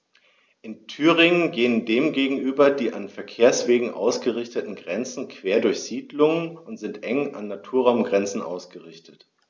In Thüringen gehen dem gegenüber die an Verkehrswegen ausgerichteten Grenzen quer durch Siedlungen und sind eng an Naturraumgrenzen ausgerichtet.